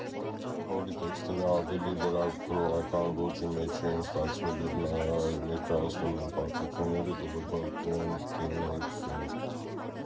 Փոլի տեքստերը ավելի լրագրողական ոճի մեջ էին ստացվել և ներկայացնում էին պատմությունները գլոբալ կոնտեքստում։